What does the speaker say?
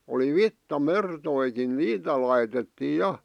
oli vitsamertojakin niitä laitettiin ja